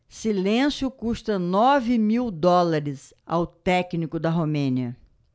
silêncio custa nove mil dólares ao técnico da romênia